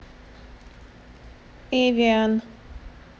avian